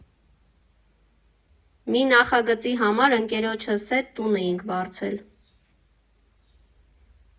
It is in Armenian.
Մի նախագծի համար ընկերոջս հետ տուն էինք վարձել։